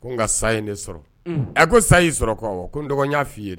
Ko n nka sa ye ne sɔrɔ a ko sa y'i sɔrɔ ko ko n dɔgɔnin y'a f'i ye dɛ